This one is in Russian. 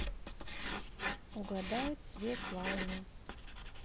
угадай цвет лайма